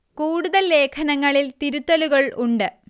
കൂടുതൽ ലേഖനങ്ങളിൽ തിരുത്തലുകൾ ഉണ്ട്